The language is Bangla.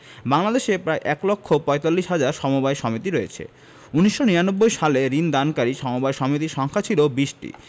বাংলাদেশে প্রায় এক লক্ষ পয়তাল্লিশ হাজার সমবায় সমিতি রয়েছে ১৯৯৯ সালে ঋণ দানকারী সমবায় সমিতির সংখ্যা ছিল ২০টি